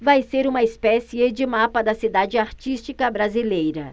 vai ser uma espécie de mapa da cidade artística brasileira